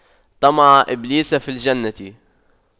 طمع إبليس في الجنة